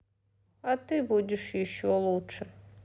а ты будешь еще лучше